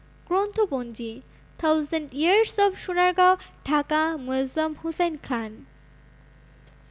গ্রন্থপঞ্জিঃ thousand years of Sonargaon Dhaka মুয়ায্ যম হুসাইন খান